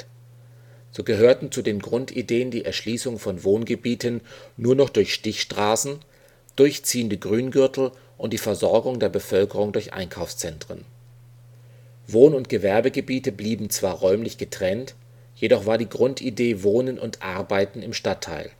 gehörten zu den Grundideen die Erschließung von Wohngebieten nur noch durch Stichstraßen, durchziehende Grüngürtel und die Versorgung der Bevölkerung durch Einkaufszentren. Wohn - und Gewerbegebiete blieben zwar räumlich getrennt, jedoch war die Grundidee „ Wohnen und Arbeiten “im Stadtteil